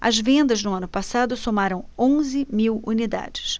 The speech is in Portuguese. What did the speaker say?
as vendas no ano passado somaram onze mil unidades